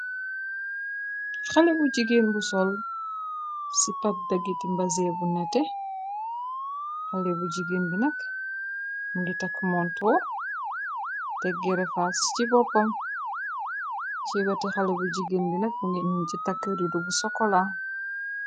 xale bu jigeen bu sol si pat daggiti mbazee bu nete xale bu jigéen bi nak mungi takk moontoor degg refaas ci boppam ci weti xale bu jigéen bi nak bu ngirnin ci takk ridu bu sokola